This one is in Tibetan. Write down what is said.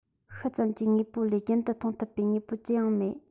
ཤུལ ཙམ གྱི དངོས པོ ལས རྒྱུན དུ མཐོང ཐུབ པའི དངོས པོ ཅི ཡང མེད